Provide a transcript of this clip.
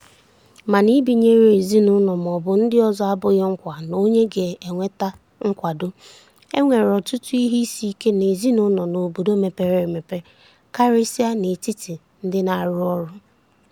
Mana ibinyere ezinụlọ maọbụ ndị ọzọ abụghị nkwa na onye ga na-enweta nkwado. E nwere ọtụtụ ihe isiike nke ezinụlọ n'obodo mepere emepe, karịsịa n'etiti ndị na-arụ ọrụ.